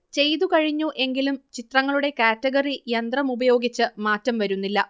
ചെയ്തു കഴിഞ്ഞു എങ്കിലും ചിത്രങ്ങളുടെ കാറ്റഗറി യന്ത്രം ഉപയോഗിച്ച് മാറ്റം വരുന്നില്ല